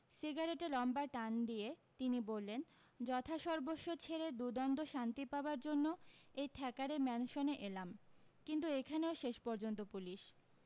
সিগারেটে লম্বা টান দিয়ে তিনি বললেন যথাসর্বস্ব ছেড়ে দুদণ্ড শান্তি পাবার জন্য এই থ্যাকারে ম্যানসনে এলাম কিন্তু এখানেও শেষ পর্য্যন্ত পুলিশ